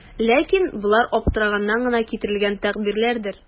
Ләкин болар аптыраганнан гына китерелгән тәгъбирләрдер.